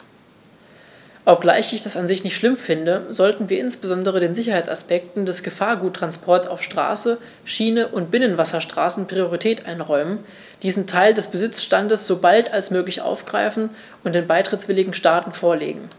Obgleich ich das an sich nicht schlimm finde, sollten wir insbesondere den Sicherheitsaspekten des Gefahrguttransports auf Straße, Schiene und Binnenwasserstraßen Priorität einräumen, diesen Teil des Besitzstands so bald als möglich aufgreifen und den beitrittswilligen Staaten vorlegen.